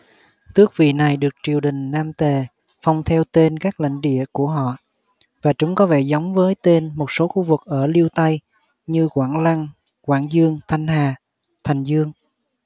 tước vị này được triều đình nam tề phong theo tên các lãnh địa của họ và chúng có vẻ giống với tên một số khu vực ở liêu tây như quảng lăng quảng dương thanh hà thành dương